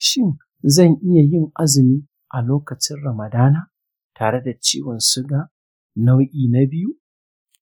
shin zan iya yin azumi a lokain ramadana tare da ciwon suga nau'i na biyu?